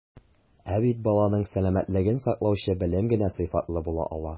Ә бит баланың сәламәтлеген саклаучы белем генә сыйфатлы була ала.